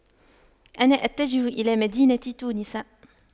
أنا أتجه الى مدينة تونس